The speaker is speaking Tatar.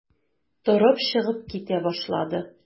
Торып чыгып китә башлады.